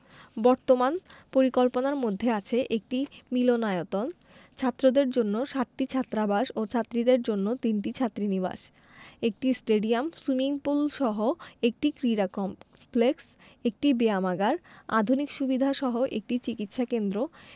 বর্তমান পরিকল্পনার মধ্যে আছে একটি মিলনায়তন ছাত্রদের জন্য সাতটি ছাত্রাবাস ও ছাত্রীদের জন্য তিনটি ছাত্রীনিবাস একটি স্টেডিয়াম সুইমিং পুলসহ একটি ক্রীড়া কমপ্লেক্স একটি ব্যায়ামাগার আধুনিক সুবিধাসহ একটি চিকিৎসা কেন্দ্র